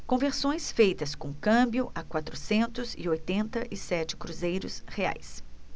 conversões feitas com câmbio a quatrocentos e oitenta e sete cruzeiros reais